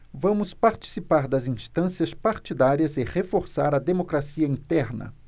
vamos participar das instâncias partidárias e reforçar a democracia interna